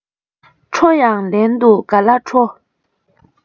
ཁྲོ ཡང ལན དུ ག ལ ཁྲོ